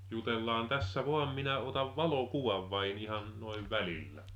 jutellaan tässä vain minä otan valokuvan vain ihan noin välillä